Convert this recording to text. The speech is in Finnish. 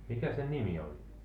mikä sen nimi oli